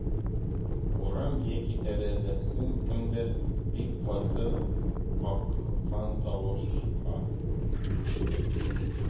Урам як тәрәзәсен кемдер бик каты каккан тавышка